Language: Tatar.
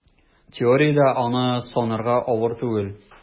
Теориядә аны санарга авыр түгел: